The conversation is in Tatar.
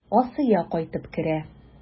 Асия кайтып керә.